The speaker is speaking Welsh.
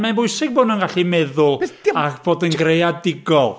Mae'n bwysig bo' nhw'n gallu meddwl a bod yn greadigol.